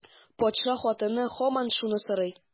Патша хатыны һаман шуны сорый.